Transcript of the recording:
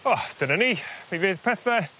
O dyna ni fe fydd pethe